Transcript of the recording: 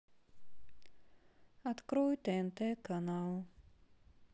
открой тнт канал